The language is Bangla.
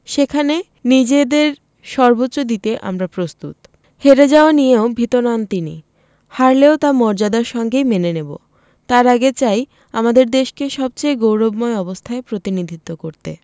সেখানে নিজেদের সর্বোচ্চ দিতে আমরা প্রস্তুত হেরে যাওয়া নিয়েও ভীত নন তিনি হারলেও তা মর্যাদার সঙ্গেই মেনে নেব তার আগে চাই আমাদের দেশকে সবচেয়ে গৌরবময় অবস্থায় প্রতিনিধিত্ব করতে